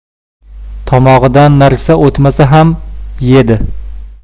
tomog'idan narsa o'tmasa xam yedi